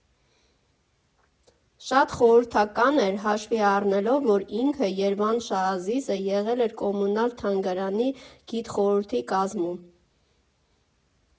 Շատ խորհրդանշական էր՝ հաշվի առնելով, որ ինքը՝ Երվանդ Շահազիզը, եղել էր Կոմունալ թանգարանի գիտխորհրդի կազմում։